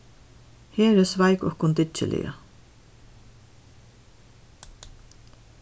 heri sveik okkum dyggiliga